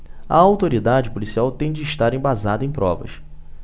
a autoridade policial tem de estar embasada em provas